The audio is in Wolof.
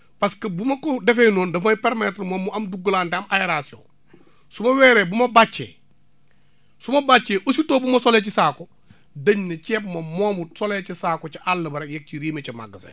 parce que bu ma ko defee noonu daf may permettre moom mu am dugglante am aération su ma weeree bu ma bàccee su ma bàccee aussitôt bu ma solee ci saako dañ ne ceeb moom moomut solee ci saako ca àll ba rekyegg si riime ca magasin ba